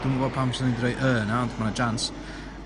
Dwi'm yn gwbo pam swn i 'di roi y 'na ond ma' 'na jiance.